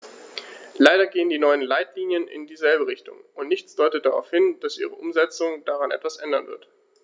Leider gehen die neuen Leitlinien in dieselbe Richtung, und nichts deutet darauf hin, dass ihre Umsetzung daran etwas ändern wird.